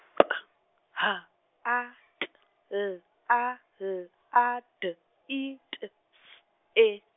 P H A T L A L A D I T S E.